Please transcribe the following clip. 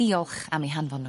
Diolch am eu hanfon n'w.